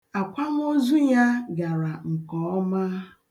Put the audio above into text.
Akwamozu ya gara nkeọma.